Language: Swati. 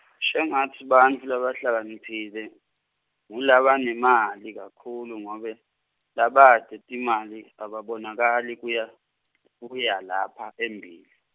shengatsi bantfu labahlakaniphile ngulabanemali kakhulu ngobe labate timali ababonakali kuya kuya lapha embili.